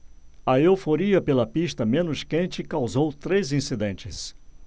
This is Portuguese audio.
a euforia pela pista menos quente causou três incidentes